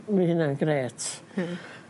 Ma' hynna'n grêt.